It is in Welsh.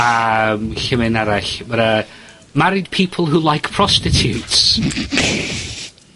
A yym, lle ma' un arall? M- yy, married people who like prostitutes.